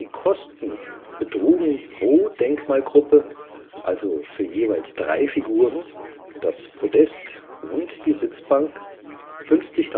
Kosten betrugen pro Denkmalgruppe, also für jeweils drei Figuren, das Podest und die Sitzbank 50.000